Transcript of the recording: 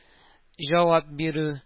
Җавап бирү